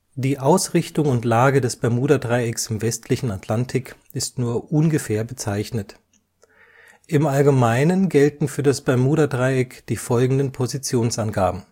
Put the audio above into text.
Die Ausrichtung und Lage des Bermudadreiecks im westlichen Atlantik ist nur ungefähr bezeichnet. Im Allgemeinen gelten für das Bermudadreieck die folgenden Positionsangaben